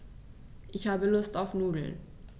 Ich habe Lust auf Nudeln.